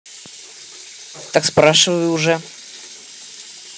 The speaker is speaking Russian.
так спрашивай уже